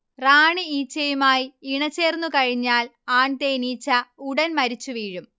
റാണി ഈച്ചയുമായി ഇണചേർന്നുകഴിഞ്ഞാൽ ആൺ തേനീച്ച ഉടൻ മരിച്ചുവീഴും